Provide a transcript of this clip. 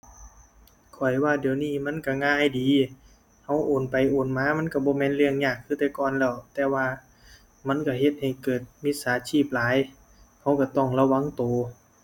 ข้อยว่าเดี๋ยวนี้มันก็ง่ายดี ก็โอนไปโอนมามันก็บ่แม่นเรื่องยากคือแต่ก่อนแล้ว แต่ว่ามันก็เฮ็ดให้เกิดมิจฉาชีพหลาย ก็ก็ต้องระวังก็